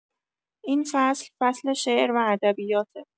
این فصل، فصل شعر و ادبیاته.